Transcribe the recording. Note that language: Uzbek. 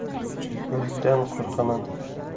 o'likdan qo'rqaman